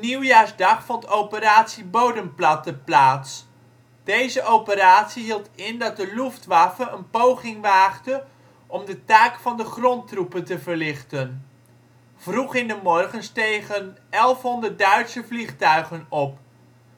nieuwjaarsdag vond Operatie Bodenplatte plaats. Deze operatie hield in dat de Luftwaffe een poging waagde om de taak van de grondtroepen te verlichten. Vroeg in de morgen stegen 1100 Duitse vliegtuigen op.